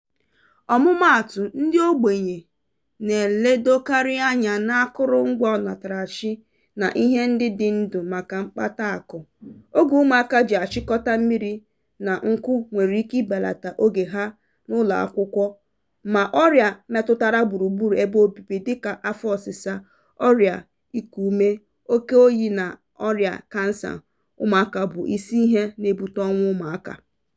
Ọmụmaatụ, ndị ogbenye na-eledokarị anya n'akụrụngwa ọnatarachi na ihe ndị dị ndụ maka mkpataakụ; oge ụmụaka ji achịkọta mmiri na nkụ nwere ike ibelata oge ha n'ụlọakwụkwọ; ma ọrịa metụtara gburugburu ebe obibi dịka afọ ọsịsa, ọrịa iku ume, oké oyi na ọrịa kansa ụmụaka bụ isi ihe na-ebute ọnwụ ụmụaka.